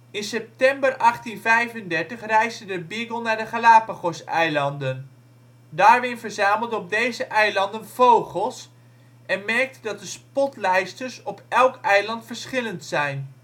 In september 1835 reisde de Beagle naar de Galapagoseilanden. Darwin verzamelde op deze eilanden vogels en merkte dat de spotlijsters op elk eiland verschillend zijn